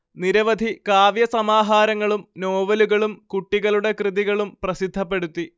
നിരവധി കാവ്യ സമാഹാരങ്ങളും നോവലുകളും കുട്ടികളുടെ കൃതികളും പ്രസിദ്ധപ്പെടുത്തി